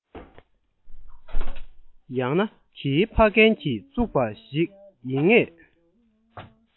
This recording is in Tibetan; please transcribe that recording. ཡང ན དེའི ཕ རྒན གྱིས བཙུགས པ ཞིག ཡིན ངེས